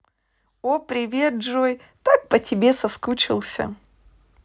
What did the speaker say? о привет джой так по тебе соскучился